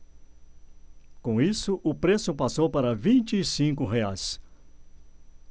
com isso o preço passou para vinte e cinco reais